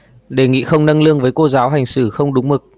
đề nghị không nâng lương với cô giáo hành xử không đúng mực